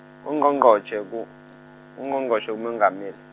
Ungqongqotjhe ku- Ungqongqotjhe Kumongameli.